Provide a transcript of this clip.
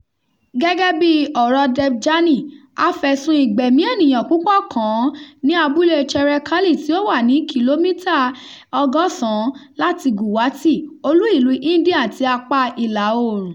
Gẹ́gẹ́ bí ọ̀rọ̀ọ Debjani, a f'ẹ̀sùn-un ìgbẹ̀mí ènìyàn púpọ̀ kàn án ní abúlée Cherekali tí ó wà ní kìlómità 180 láti Guwahati, olú-ìlúu India ti apáa ìlà-oòrùn.